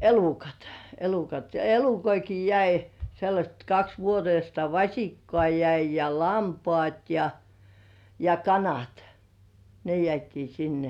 elukat elukat ja elukoitakin jäi sellaiset kaksi vuotista vasikkaa jäi ja lampaat ja ja kanat ne jäätiin sinne